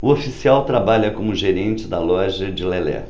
o oficial trabalha como gerente da loja de lelé